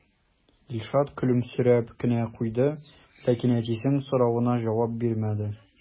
Илшат көлемсерәп кенә куйды, ләкин әтисенең соравына җавап бирмәде.